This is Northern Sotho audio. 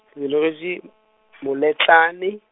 ke belegetšwe, Moletlane.